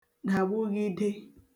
dàgbughide